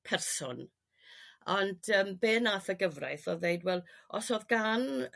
person ond ym be nath y gyfraith o'dd ddeud wel os o'dd gan